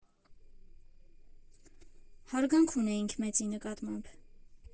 Հարգանք ունեինք մեծի նկատմամբ։